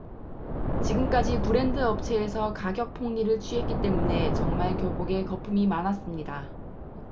지금까지 브랜드 업체에서 가격폭리를 취했기 때문에 정말 교복에 거품이 많았습니다